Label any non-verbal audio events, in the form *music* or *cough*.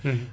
*hesitation* *hesitation*